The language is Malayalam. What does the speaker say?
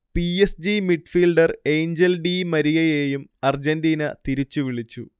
P. S. G midfielder Angel di മരിയയെയും അർജന്റീന തിരിച്ചുവിളിച്ചു